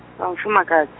sa mufumakadzi.